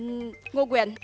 ngô quyền